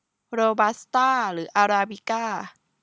โรบัสต้าหรืออาราบิก้า